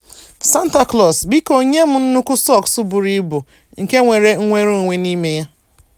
Santa Claus, biko nye m nnukwu sọks buru ibu nke nwere nnwereonwe n'ime ya.